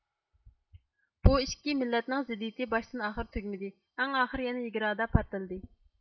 بۇ ئىككى مىللەتنىڭ زىددىيىتى باشتىن ئاخىر تۈگىمىدى ئەڭ ئاخىرى يەنە ھېگرادا پارتلىدى